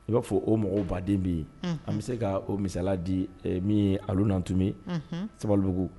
I b'a fɔ o mɔgɔw baden bɛ yen an bɛ se ka misala di min olu nan tun bɛ sababubugu